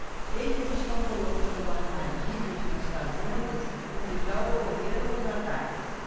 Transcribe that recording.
eles estão colocando armadilhas nas fazendas onde já ocorreram os ataques